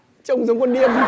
trông giống